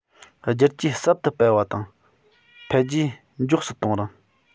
བསྒྱུར བཅོས ཟབ ཏུ སྤེལ བ དང འཕེལ རྒྱས མགྱོགས སུ གཏོང རིང